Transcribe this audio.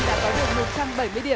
một trăm bảy mươi điểm